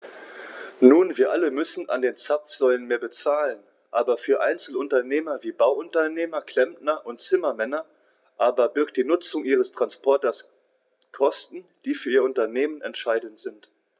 Nun wir alle müssen an den Zapfsäulen mehr bezahlen, aber für Einzelunternehmer wie Bauunternehmer, Klempner und Zimmermänner aber birgt die Nutzung ihres Transporters Kosten, die für ihr Unternehmen entscheidend sind.